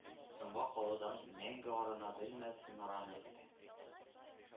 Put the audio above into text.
Соңга калудан мәңге арына белмәс нораны көтә